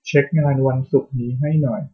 เช็คงานวันศุกร์นี้ให้หน่อย